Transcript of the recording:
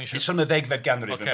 So yn y ddegfed ganrif... Ocê.